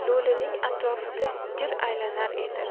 lo'lining atrofida gir aylanar edi